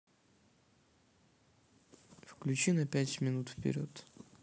включи на пять минут вперед